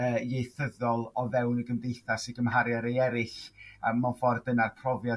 ee ieithyddol o fewn y gymdeithas i gymharu a rei er'ill mewn ffor' dyna'r profiad